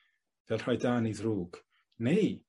fel rhai da neu ddrwg? Neu